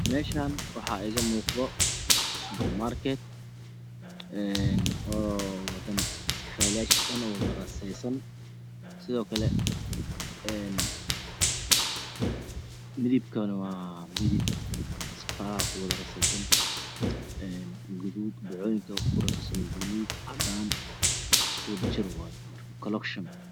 Meshaan waxaa iiga muuqdo subarmaarkeed een oo hadana iskafaalayaashisa wadarasteesesan sidoo kale een midabkana waa midib iskafalaha kuwada rasteesan een guud bocoyinka kurasteesan buuluug cadaan isku wada jir waaye marka kolokshen